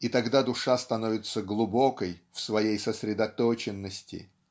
и тогда душа становится глубокой в своей сосредоточенности.